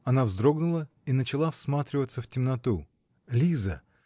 Она вздрогнула и начала всматриваться в темноту. -- Лиза!